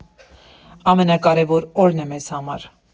Ամենակարևոր օրն է մեզ համար։